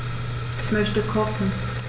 Ich möchte kochen.